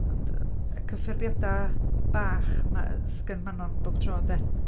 Ond, y cyffyrddiadau bach 'ma, 'sgen Manon bob tro, 'de?